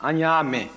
an y'a mɛn